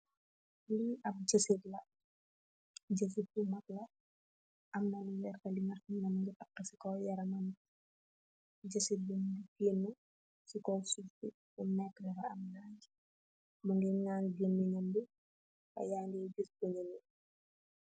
Lii aam jessiit la jessiit bu maag la aam na lu wertah lu nga ham neh mogi taha si kaw yarmam bi jessiit mogi gena c kaw suff bi mogi ngan geemeyam bi yageh giss bonn yamm bi.